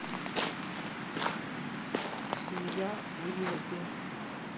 семья уиллоби